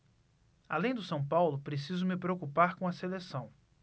além do são paulo preciso me preocupar com a seleção